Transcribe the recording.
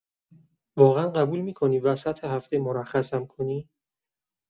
واقعا قبول می‌کنی وسط هفته مرخصم کنی؟